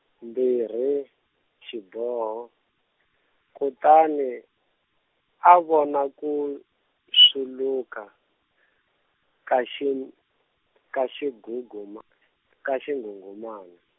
mbirhi, xiboho, kutani, a vona ku, swuluka, ka xi-, ka xiguguma- , ka xinghunghumani.